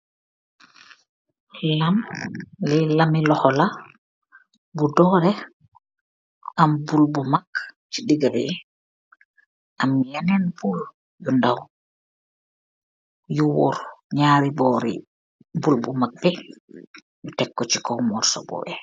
Laam, lii laami lokho la bu dooreh, bu amm buul bu mak chi digah bi, amm yenen buul yu ndaw, yu worre njarri borr yii, buul bu mak bi nju tek kor chi kaw morsoh bu wekh.